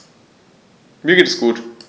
Mir geht es gut.